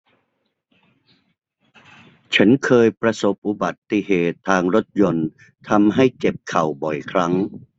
ฉันเคยประสบอุบัติเหตุทางรถยนต์ทำให้เจ็บเข่าบ่อยครั้ง